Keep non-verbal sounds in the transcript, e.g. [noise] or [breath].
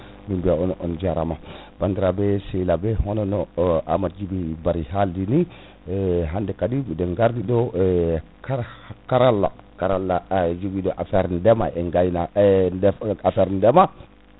min biya on on jaarama [breath] bandiraɓe sehilaɓe on honono Amadou Djiby Barry halaldini [breath] [hesitation] hande kadi miɗen gardi ɗo e karah* karalla karalla [hesitation] jooguiɗo affaire ndeema e gayna* [hesitation] def affaire ndeema